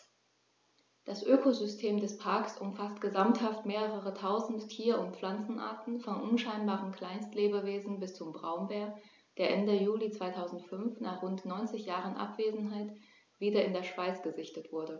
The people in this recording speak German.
Das Ökosystem des Parks umfasst gesamthaft mehrere tausend Tier- und Pflanzenarten, von unscheinbaren Kleinstlebewesen bis zum Braunbär, der Ende Juli 2005, nach rund 90 Jahren Abwesenheit, wieder in der Schweiz gesichtet wurde.